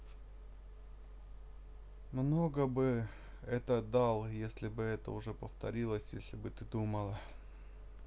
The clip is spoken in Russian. много я бы это дал если бы это уже повторилось если бы ты думала